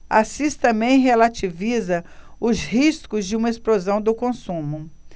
assis também relativiza os riscos de uma explosão do consumo